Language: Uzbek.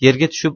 yerga tushib